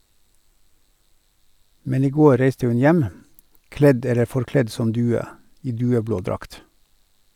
Men i går reiste hun hjem , kledd eller forkledd som due - i dueblå drakt.